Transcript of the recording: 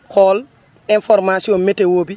xool information météo bi